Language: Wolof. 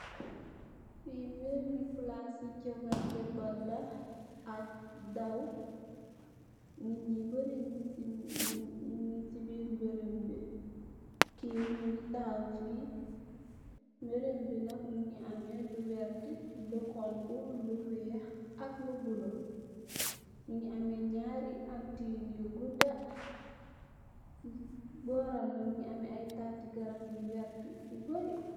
Fii mbiru palaasi jongante bal la, ak daw, nit ñu bari, ñung si mbirum bërëb bi, Kii mu ngi taxaw fii, bërëb bi nak mu ngi am lu werta, lu xoñxu, lu weex ak lu bulo, mu ngi am ñarri antén yu gudda, si bóoram mu ngi am, taati garab yu werta yu barri.